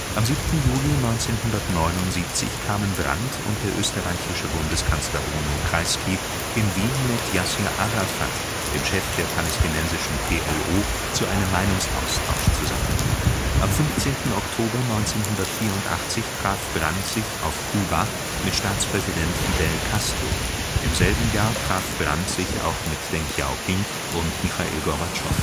Am 7. Juli 1979 kamen Brandt und der österreichische Bundeskanzler Bruno Kreisky in Wien mit Jassir Arafat, dem Chef der palästinensischen PLO, zu einem Meinungsaustausch zusammen. Am 15. Oktober 1984 traf Brandt sich auf Kuba mit Staatspräsident Fidel Castro. Im selben Jahr traf Brandt sich auch mit Deng Xiaoping und Michail Gorbatschow